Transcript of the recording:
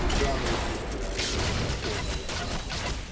Туда мы и пристраиваем еще одного краба.